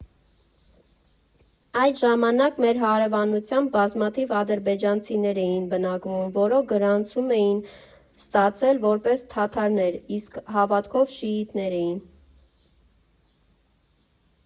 Այդ ժամանակ մեր հարևանությամբ բազմաթիվ ադրբեջանցիներ էին բնակվում, որոնք գրանցում էին ստացել որպես թաթարներ, իսկ հավատքով շիիթներ էին։